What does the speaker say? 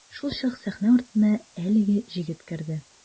Шулчак сәхнә артына әлеге җегет керде.